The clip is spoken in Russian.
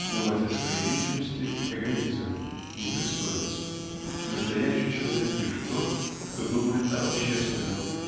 думать о своей личности--эгоизм, непристойность настоящий человек лишь тот кто думает об общественном